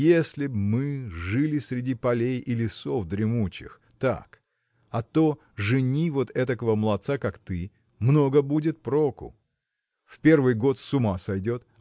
Если б мы жили среди полей и лесов дремучих – так а то жени вот этакого молодца как ты – много будет проку! в первый год с ума сойдет